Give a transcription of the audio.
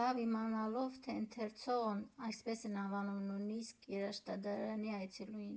Լավ իմանալով, թե ընթերցողն (այսպես են անվանում նույնիսկ երաժշտադարանի այցելուին)